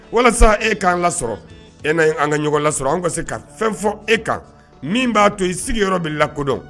Walasa e k'an lasɔrɔ e na an ka ɲɔgɔn lasɔrɔ an ka se ka fɛn fɔ e kan min b'a to i sigiyɔrɔ yɔrɔ' la kodɔn